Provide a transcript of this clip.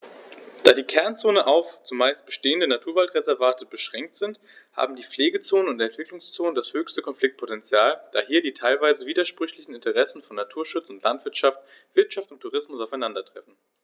Da die Kernzonen auf – zumeist bestehende – Naturwaldreservate beschränkt sind, haben die Pflegezonen und Entwicklungszonen das höchste Konfliktpotential, da hier die teilweise widersprüchlichen Interessen von Naturschutz und Landwirtschaft, Wirtschaft und Tourismus aufeinandertreffen.